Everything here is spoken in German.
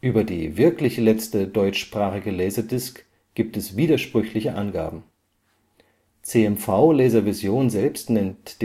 Über die wirklich letzte deutschsprachige Laserdisk gibt es widersprüchliche Angaben: cmv-Laservision selbst nennt